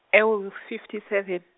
ewu- fifty seven.